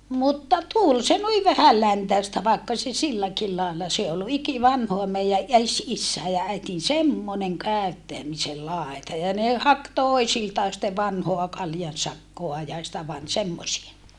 mutta tuli se noin vähäläntäistä vaikka se silläkin lailla se oli ikivanhaa meidän esi- isien ja äidin semmoinen käyttämisen laita ja ne haki toisiltaan sitten vanhaa kaljansakkaa ja sitä - semmoisia